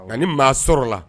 Nka ni maa sɔrɔla la